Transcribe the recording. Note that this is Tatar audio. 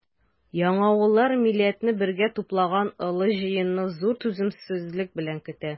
Яңавыллар милләтне бергә туплаган олы җыенны зур түземсезлек белән көтә.